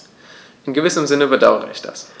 In gewissem Sinne bedauere ich das.